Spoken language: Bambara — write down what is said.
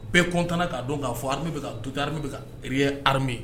Bɛɛ content k'a don k'a fɔ an bɛ fɛ k'a to gardes bɛka rearmer